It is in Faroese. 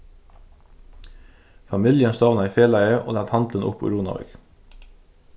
familjan stovnaði felagið og læt handilin upp í runavík